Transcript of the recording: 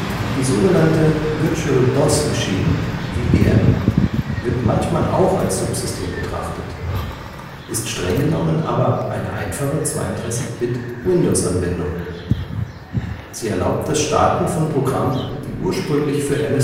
Die sogenannte Virtual DOS Machine (VDM) wird manchmal auch als Subsystem betrachtet, ist strenggenommen aber eine einfache 32-Bit-Windowsanwendung. Sie erlaubt das Starten von Programmen, die ursprünglich für MS-DOS